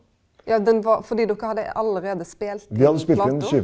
ja den var fordi dokker hadde allereie spelt inn plata.